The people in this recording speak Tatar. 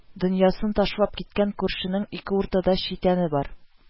Дөньясын ташлап киткән күршенең ике уртада читәне бар